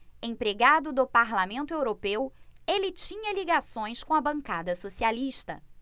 empregado do parlamento europeu ele tinha ligações com a bancada socialista